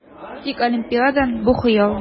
Тик Олимпиада - бу хыял!